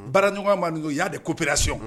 Baaraɲɔgɔn ma don y'a de kopererayɔn